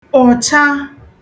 ụ̀cha